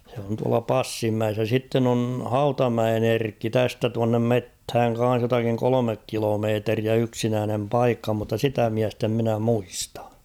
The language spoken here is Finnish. se on tuolla Passinmäessä ja sitten on Hautamäen Erkki tästä tuonne metsään kanssa jotakin kolme kilometriä yksinäinen paikka mutta sitä miestä en minä muista